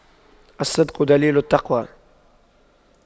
الصدق دليل التقوى